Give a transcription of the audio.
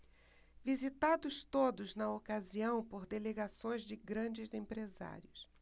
visitados todos na ocasião por delegações de grandes empresários